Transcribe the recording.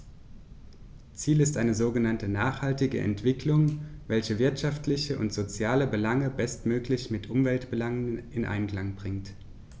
Ziel ist eine sogenannte nachhaltige Entwicklung, welche wirtschaftliche und soziale Belange bestmöglich mit Umweltbelangen in Einklang bringt.